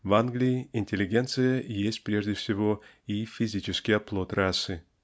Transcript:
В Англии "интеллигенция" есть, прежде всего, и физический оплот расы